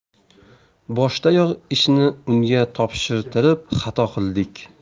boshdayoq ishni unga topshirtirib xato qildik